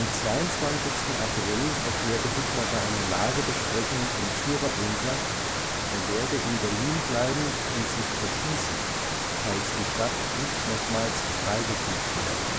22. April erklärte Hitler bei einer Lagebesprechung im Führerbunker, er werde in Berlin bleiben und sich erschießen, falls die Stadt nicht nochmals freigekämpft werde